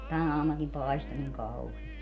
tänä aamunakin paistoi niin kauheasti